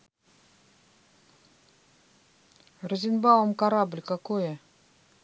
розенбаум корабль какое